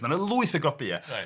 Mae 'na lwyth o gopïau.